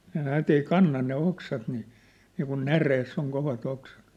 ne näet ei kanna ne oksat niin niin kuin näreessä on kovat oksat